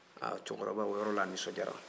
ha cɛkɔrɔba o yɔrɔ la a nisɔndiyara